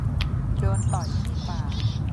โดนต่อยที่ปาก